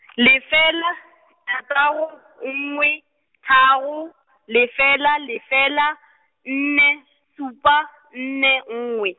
lefela, thataro, nngwe, tharo, lefela lefela, nne, supa, nne nngwe.